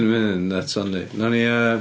Mae hyn yn nuts 'wan, wnawn ni yy...